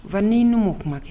Wan nii ni m'o kuma kɛ